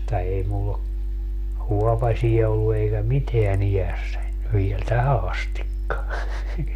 mutta ei minulla ole huopasia ollut eikä mitään iässäni vielä tähän asti